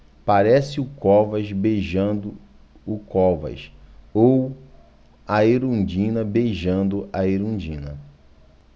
parece o covas beijando o covas ou a erundina beijando a erundina